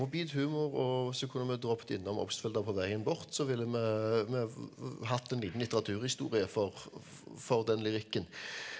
morbid humor og så kunne vi ha droppet innom Obstfelder på veien bort så ville vi vi hatt en liten litteraturhistorie for for den lyrikken.